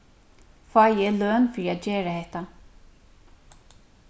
fái eg løn fyri at gera hetta